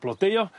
blodeuo